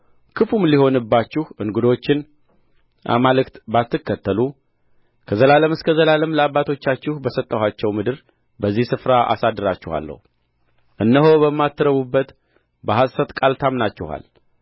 ክፉም ሊሆንባችሁ እንግዶችን አማልክት ባትከተሉ ከዘላለም እስከ ዘላለም ለአባቶቻችሁ በሰጠኋቸው ምድር በዚህ ስፍራ አሳድራችኋለሁ እነሆ በማትረቡበት በሐሰት ቃል ታምናችኋል